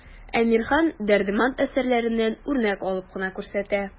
Әмирхан, Дәрдемәнд әсәрләреннән үрнәк алып кына күрсәтә.